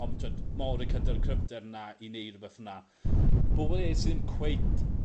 Ond t'wod ma' Orica 'dy'r cryfder 'na i neud rwbeth fel 'na. Bobol eryll sy ddim cweit